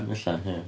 Ella, ia.